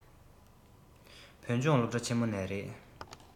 བོད ལྗོངས སློབ གྲྭ ཆེན མོ ནས རེད